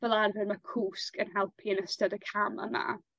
fel arfer ma' cwsg yn helpu yn ystod y cam yma.